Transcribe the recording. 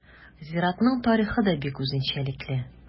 Зиратның тарихы да бик үзенчәлекле.